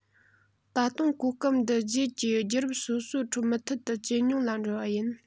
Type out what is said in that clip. ད དུང གོ སྐབས འདི རྗེས ཀྱི རྒྱུད རབས སོ སོའི ཁྲོད མུ མཐུད དུ ཇེ ཉུང ལ འགྲོ བ ཡིན